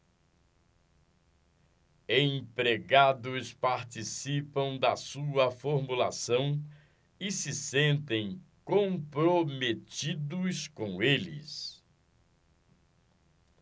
empregados participam da sua formulação e se sentem comprometidos com eles